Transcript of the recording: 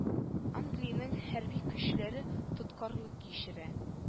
Англиянең хәрби көчләре тоткарлык кичерә